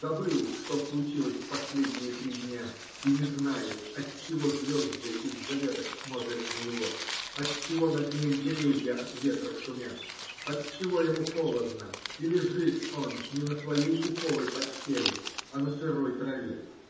Забыл, что случилось в последние три дня, и не знает, отчего звезды из-за веток смотрят на него, отчего над ним деревья от ветра шумят, отчего ему холодно и лежит он не на своей пуховой постели, а на сырой траве.